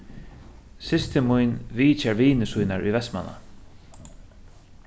systir mín vitjar vinir sínar í vestmanna